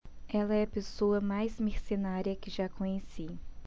ela é a pessoa mais mercenária que já conheci